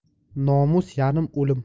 nomus yarim o'lim